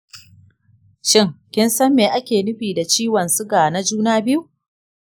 shin kin san me ake nufi da ciwon suga na juna biyu?